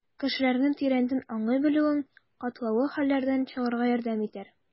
Кешеләрне тирәнтен аңлый белүең катлаулы хәлләрдән чыгарга ярдәм итәр.